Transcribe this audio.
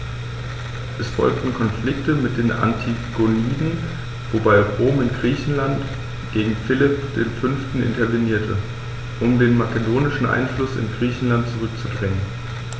Es folgten Konflikte mit den Antigoniden, wobei Rom in Griechenland gegen Philipp V. intervenierte, um den makedonischen Einfluss in Griechenland zurückzudrängen.